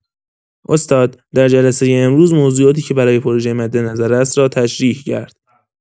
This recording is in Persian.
استاد در جلسه امروز موضوعاتی که برای پروژه مدنظر است را تشریح کرد.